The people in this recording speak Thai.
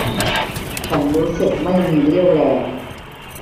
ฉันรู้สึกไม่มีเรี่ยวแรง